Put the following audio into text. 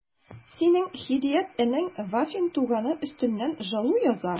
Синең Һидият энең Вафин туганы өстеннән жалу яза...